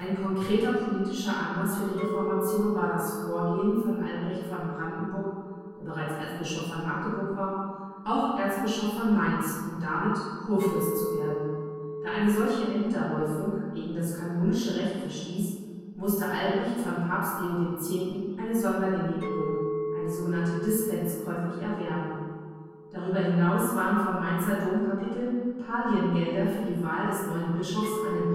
konkreter politischer Anlass für die Reformation war das Vorgehen von Albrecht von Brandenburg, der bereits Erzbischof von Magdeburg war, auch Erzbischof von Mainz und damit Kurfürst zu werden. Da eine solche Ämterhäufung gegen das kanonische Recht verstieß, musste Albrecht von Papst Leo X. eine Sondergenehmigung (Dispens) käuflich erwerben. Darüber hinaus waren vom Mainzer Domkapitel Palliengelder für die Wahl des neuen Bischofs an den